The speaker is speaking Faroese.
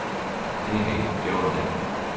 hey hey góðan dag